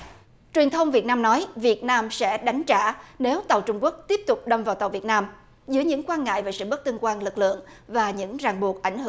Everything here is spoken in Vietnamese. truyền thông việt nam nói việt nam sẽ đánh trả nếu tàu trung quốc tiếp tục đâm vào tàu việt nam dưới những quan ngại về sự bất tương quan lực lượng và những ràng buộc ảnh hưởng